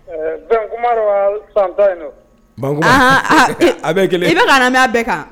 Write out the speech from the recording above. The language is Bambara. Ɛɛ fɛn kuma don wa ou bien soit fɛn in don? Anhan , a bɛ ye kelen ye, i bɛ ka na a bɛɛ kan.